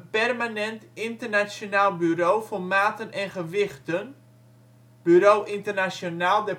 permanent Internationaal Bureau voor Maten en Gewichten (Bureau International